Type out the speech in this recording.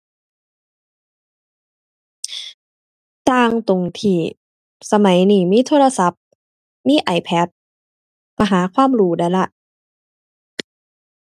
ต่างตรงที่สมัยนี้มีโทรศัพท์ มี iPad ก็หาความรู้ได้แล้ว